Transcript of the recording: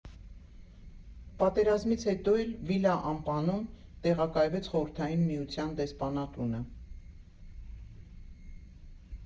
Պատերազմից հետո էլ Վիլա Ամպանում տեղակայվեց Խորհրդային Միության դեսպանատունը։